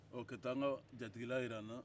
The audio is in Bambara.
ka taa n ka jatigila jira n na